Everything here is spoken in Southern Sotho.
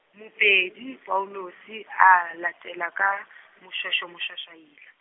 Mopeli Paulus, a latela ka Moshoeshoe, MoshoashoaIla-.